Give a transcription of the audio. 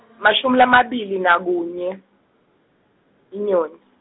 mashumi lamabili nakunye, Inyoni.